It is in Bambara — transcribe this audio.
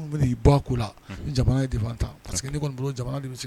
Jamana kɔni jamana